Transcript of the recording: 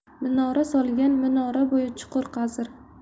minora solgan minora bo'yi chuqur qazir